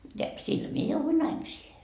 ja sillä minä jouduin naimisiin